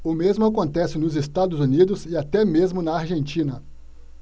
o mesmo acontece nos estados unidos e até mesmo na argentina